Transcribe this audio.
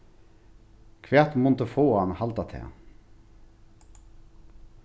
hvat mundi fáa hann at halda tað